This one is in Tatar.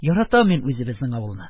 Яратам мин үзебезнең авылны,